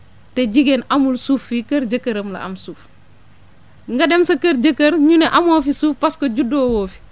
te jigéen amul suuf fii kër jëkkëram la am suuf nga dem sa kër jëkkër ñu ne amoo fi suuf parce que juddoo woo fi